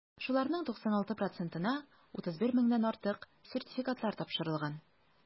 Шуларның 96 процентына (31 меңнән артык) сертификатлар тапшырылган.